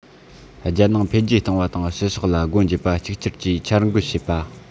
རྒྱལ ནང འཕེལ རྒྱས གཏོང བ དང ཕྱི ཕྱོགས ལ སྒོ འབྱེད པ གཅིག གྱུར གྱིས འཆར འགོད བྱེད པ